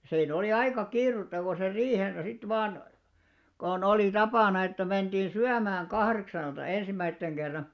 siinä oli aika kiirettä kun sen riihensä sitten vain kun oli tapana että mentiin syömään kahdeksalta ensimmäisen kerran